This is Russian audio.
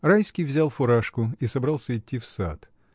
Райский взял фуражку и собрался идти в сад.